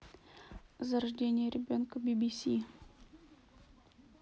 за рождение ребенка bbc